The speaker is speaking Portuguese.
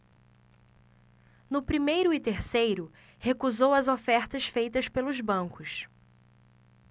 no primeiro e terceiro recusou as ofertas feitas pelos bancos